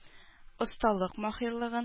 Осталык-маһирлыгын